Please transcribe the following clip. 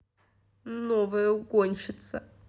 новая угонщица